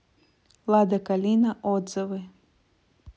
лада калина отзывы